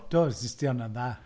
Do, wedes 'di honna'n dda.